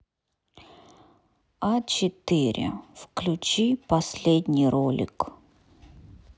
а четыре включи последний ролик